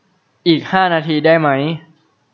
อีกห้านาทีได้ไหม